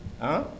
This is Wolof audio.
ah